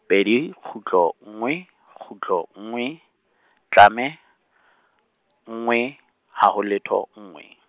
pedi kgutlo, nngwe kgutlo, nngwe, tlame , nngwe, haho letho, nngwe.